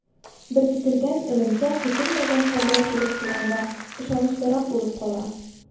Беркетелгән элемтә көтелмәгән хәлләр килеп туганда ышанычлырак булып кала.